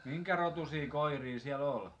minkä rotuisia koiria siellä oli